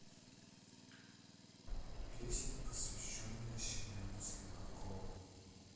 песня посвященная семену слепакову